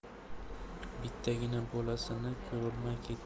bittagina bolasini ko'rolmay ketdi